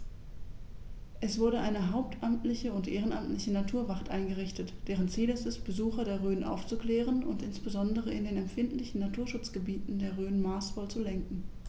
Es wurde eine hauptamtliche und ehrenamtliche Naturwacht eingerichtet, deren Ziel es ist, Besucher der Rhön aufzuklären und insbesondere in den empfindlichen Naturschutzgebieten der Rhön maßvoll zu lenken.